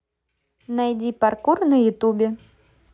найди паркур на ютубе